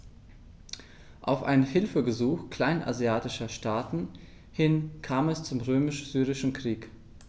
Auf ein Hilfegesuch kleinasiatischer Staaten hin kam es zum Römisch-Syrischen Krieg.